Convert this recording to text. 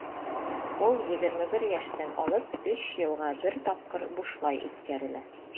Ул 21 яшьтән алып 3 елга бер тапкыр бушлай үткәрелә.